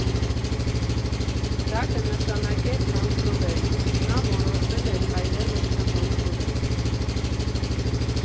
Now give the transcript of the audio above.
Դա կնշանակեր հանձնվել, իսկ նա որոշել էր այլևս չհանձնվել։